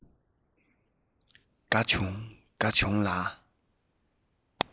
དགའ བྱུང དགའ བྱུང ལ